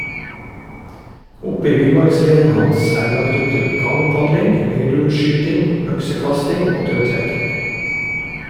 Oppe i villmarksleiren hans er det lagt opp til kanopadling, leirdueskyting, øksekasting og tautrekking.